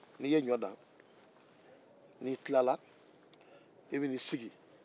n'i ye ɲɔ dan n'i tilala i bɛna i sigi